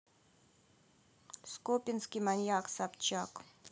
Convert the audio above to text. скопинский маньяк собчак